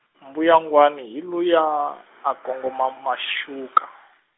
mbuyangwani hi luyaa a kongoma maxuka.